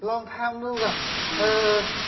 long tham nâu gặp